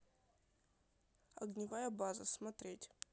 огневая база смотреть